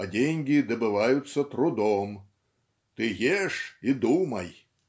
а деньги добываются трудом. Ты ешь и думай.